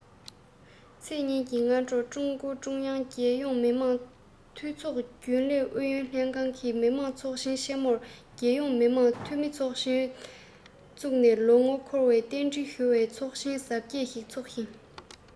ཚེས ཉིན གྱི སྔ དྲོ ཀྲུང གུང ཀྲུང དབྱང དང རྒྱལ ཡོངས མི དམངས འཐུས ཚོགས རྒྱུན ལས ཨུ ཡོན ལྷན ཁང གིས མི དམངས ཚོགས ཁང ཆེ མོར རྒྱལ ཡོངས མི དམངས འཐུས མི ཚོགས ཆེན བཙུགས ནས ལོ ངོ འཁོར བར རྟེན འབྲེལ ཞུ བའི ཚོགས ཆེན གཟབ རྒྱས ཤིག འཚོགས ཤིང